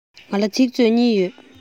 ང ལ ཚིག མཛོད གཉིས ཡོད